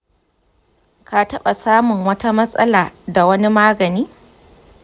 ka taɓa samun wata matsala da wani magani?